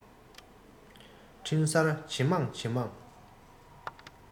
འཕྲིན གསར ཇེ མང ཇེ མང